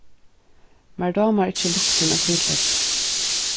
mær dámar ikki luktin av hvítleyki